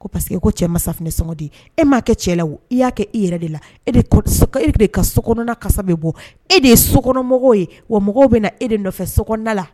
Ko pa que ko cɛ mansaf sgɔ di e m maa kɛ cɛ la i y'a kɛ e yɛrɛ de la e e de ka so kasa bɛ bɔ e de ye sokɔnɔmɔgɔ ye wa mɔgɔw bɛ na e de nɔfɛ so la